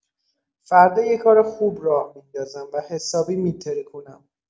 فردا یه کار خوب راه میندازم و حسابی می‌ترکونم.